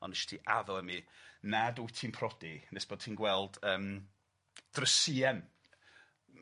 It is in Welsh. ond nesh ti addo i mi nad wt ti'n prodi nes bo' ti'n gweld yym drysien.